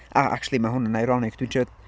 a acshyli mae hwn yn ironic, dwi'n trio...